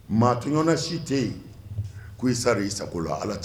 Maa toɲɔna si tɛ yen, k'i sar'i sago la, ala t'o